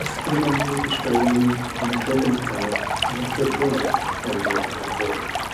Ysgrifennwyd y straeon am y tro cyntaf yn y drydedd ganrif ar ddeg